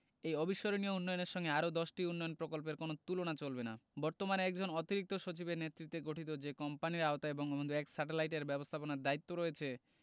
এই অবিস্মরণীয় উন্নয়নের সঙ্গে আর দশটি উন্নয়ন প্রকল্পের কোনো তুলনা চলবে না বর্তমানে একজন অতিরিক্ত সচিবের নেতৃত্বে গঠিত যে কোম্পানির আওতায় বঙ্গবন্ধু ১ স্যাটেলাইট এর ব্যবস্থাপনার দায়িত্ব রয়েছে